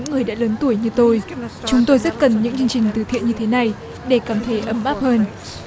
người đã lớn tuổi như tôi chúng tôi rất cần những chương trình từ thiện như thế này để con thấy ấm áp hơn